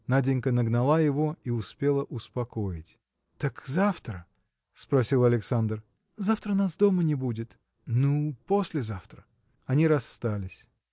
Наденька нагнала его и успела успокоить. – Так завтра? – спросил Александр. – Завтра нас дома не будет. – Ну, послезавтра. Они расстались.